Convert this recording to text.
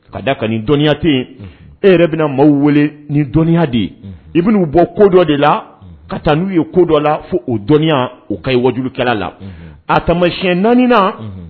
Ka da ka nin dɔnni tɛ e yɛrɛ bɛna maaw wele ni dɔnniya de ye i bɛna'u bɔ kodɔn de la ka taa n'u ye ko dɔ la fo o dɔnniya u ka wajukɛla la a siyɛn naanian